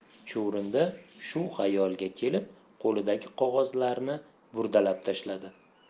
chuvrindi shu xayolga kelib qo'lidagi qog'ozlarni burdalab tashladi